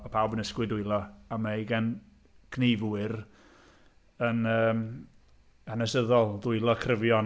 Oedd pawb yn ysgwyd dwylo a mae gan cneifwyr yn yym hanesyddol ddwylo cryfion...